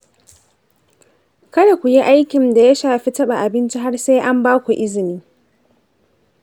kada ku yi aikin da ya shafi taɓa abinci har sai an ba ku izini.